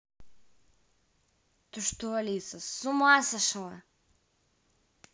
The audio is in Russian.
ты что алиса ты сумасашла